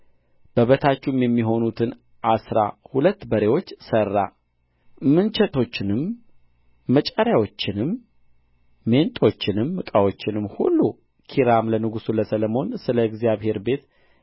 በበታቹም የሚሆኑትን አሥራ ሁለት በሬዎች ሠራ ምንቸቶቹንም መጫሪያዎቹንም ሜንጦዎቹንም ዕቃቸውንም ሁሉ ኪራም ለንጉሡ ለሰሎሞን ስለ እግዚአብሔር ቤት